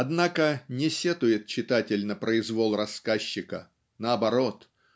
Однако не сетует читатель на произвол рассказчика наоборот